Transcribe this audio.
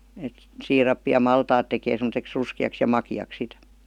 että siirappi ja maltaat tekee semmoiseksi ruskeaksi ja makeaksi sitten